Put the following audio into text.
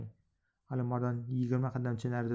alimard on yigirma qadamcha narida